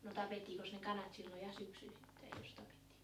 no tapettiinkos ne kanat silloin ja syksysittäin jos tapettiin